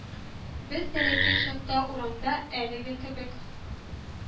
Без бәләкәй чакта урамда әлеге кебек